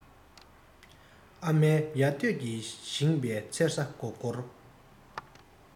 ཨ མའི ཡ ཐོད ཀྱིས བཞེངས པའི མཚེར ས སྒོར སྒོར